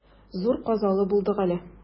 Зур казалы булдык әле.